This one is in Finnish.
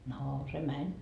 no se meni